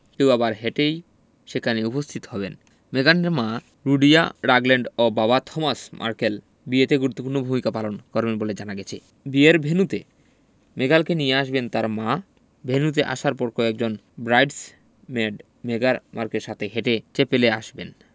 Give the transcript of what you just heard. কেউ আবার হেঁটেই সেখানে উপস্থিত হবেন মেগানের মা ডোরিয়া রাগল্যান্ড ও বাবা থমাস মার্কেল বিয়েতে গুরুত্বপূর্ণ ভূমিকা পালন করবেন বলে জানা গেছে বিয়ের ভেন্যুতে মেগানকে নিয়ে আসবেন তাঁর মা ভেন্যুতে আসার পর কয়েকজন ব্রাইডস মেড মেগান মার্কেলের সাথে হেঁটে চ্যাপেলে আসবেন